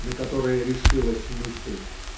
на которое решилась мысль.